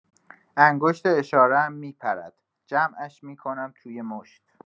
انگشت اشاره‌ام می‌پرد، جمعش می‌کنم توی مشت.